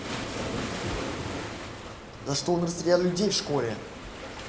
за что он расстрелял людей в школе